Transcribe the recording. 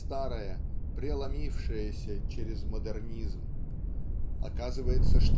старое преломившееся через модернизм оказывается